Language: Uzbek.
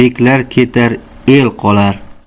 beklar ketar el qolar